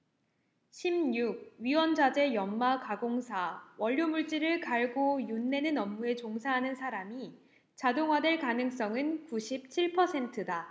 십 육 위원자재 연마 가공사 원료물질을 갈고 윤내는 업무에 종사하는 사람이 자동화될 가능성은 구십 칠 퍼센트다